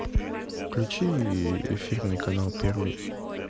включи эфирный канал первый